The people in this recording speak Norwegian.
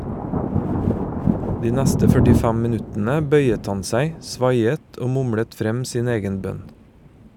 De neste 45 minuttene bøyet han seg, svaiet og mumlet frem sin egen bønn.